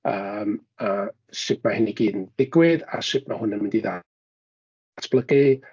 yy a sut ma' hyn i gyd yn digwydd a sut mae hwn yn mynd i ddatblygu.